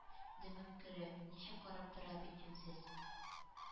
- дөмеккере! ничек карап тора бит, юньсез!..